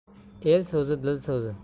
el so'zi dil so'zi